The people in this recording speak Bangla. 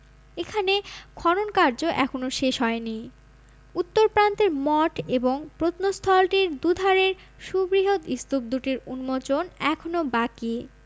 এখানে খননকার্য এখনও শেষ হয়নি উত্তর প্রান্তের মঠ এবং প্রত্নস্থলটির দুধারের সুবৃহৎ স্তূপ দুটির উন্মোচন এখনও বাকি